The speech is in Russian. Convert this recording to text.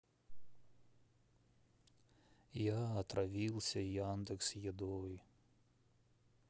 я отравился яндекс едой